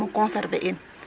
pour conserver in.